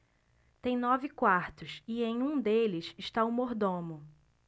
tem nove quartos e em um deles está o mordomo